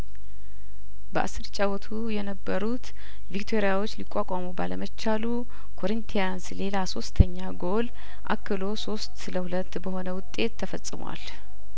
በአስር ይጫወቱ የነበሩት ቪክቶሪያዎች ሊቋቋሙ ባለመቻሉ ኮሪንቲያንስ ሌላ ሶስተኛ ጐል አክሎ ሶስት ለሁለት በሆነ ውጤት ተፈጽሟል